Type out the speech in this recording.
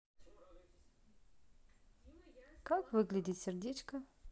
как выглядит сердечко